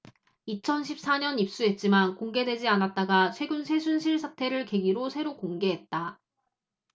이천 십 사 년 입수했지만 공개되지 않았다가 최근 최순실 사태를 계기로 새로 공개했다